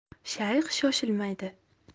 shayx shoshilmaydi